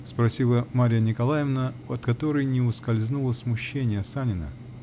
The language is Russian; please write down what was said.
-- спросила Марья Николаевна, от которой не ускользнуло смущение Санина.